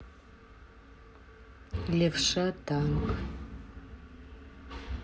левша танк